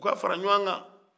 u ka fara ɲɔgɔn kan